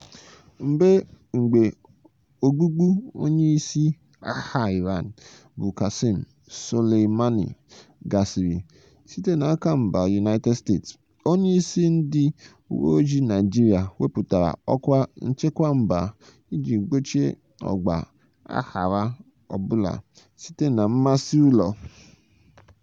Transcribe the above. Mgbe ogbugbu onye isi agha Iran bụ Qasem Soleimani gasịrị, site n'aka mba United States, onye isi ndị uweojii Naịjirịa wepụtara ọkwa nchekwa mba iji gbochie ọgba aghara ọ bụla site na "mmasị ụlọ".